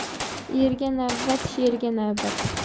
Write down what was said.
erga navbat sherga navbat